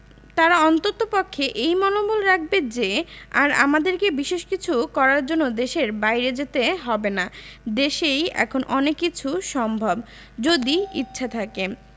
তারা অন্ততপক্ষে এই মনোবল রাখবে যে আর আমাদেরকে বিশেষ কিছু করার জন্য দেশের বাইরে যেতে হবে না দেশেই এখন অনেক কিছু সম্ভব যদি ইচ্ছা থাকে